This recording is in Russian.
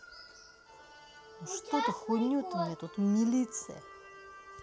ну что ты хуйню то мне тут милиция